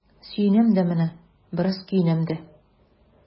Сөенәм дә менә, бераз көенәм дә.